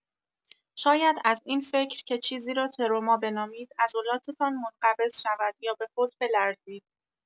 شاید از این فکر که چیزی را تروما بنامید عضلاتتان منقبض شود یا به خود بلرزید.